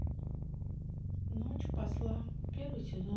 дочь посла первый сезон